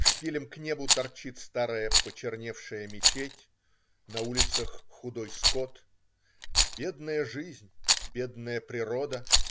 Шпилем к небу торчит старая, почерневшая мечеть. На улицах худой скот. Бедная жизнь. бедная природа.